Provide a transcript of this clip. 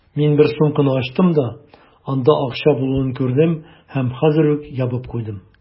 Мин бер сумканы ачтым да, анда акча булуын күрдем һәм хәзер үк ябып куйдым.